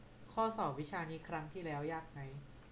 ข้อสอบวิชานี้ครั้งที่แล้วยากไหม